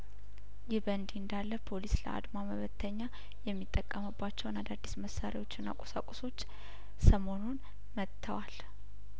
ይህ በእንዲህ እንዳለፖሊስ ለአድማ መ በተኛ የሚጠቀምባቸውን አዳዲስ መሳሪያዎችና ቁሳቁሶች ሰሞኑን መጥተዋል